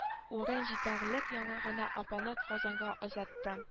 Урын җитәрлек яңа гына апаны казанга озаттым